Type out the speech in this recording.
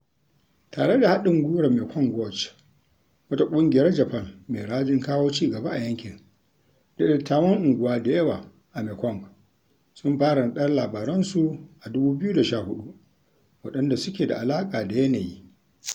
Tare da haɗin guiwar Mekong Watch, wata ƙungiyar Japan mai rajin kawo cigaba a yankin, da dattawan unguwa da yawa a Mekong sun fara naɗar labaransu a 2014 waɗanda suke da alaƙa da yanayi.